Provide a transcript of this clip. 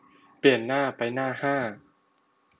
เปลี่ยนหน้าไปหน้าห้า